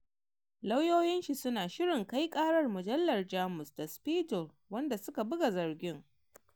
Lauyoyin shi su na shirin kai ƙarar mujallar Jamus Der Spiegel, wanda suka buga zargin.